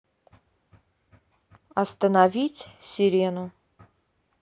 остановить серену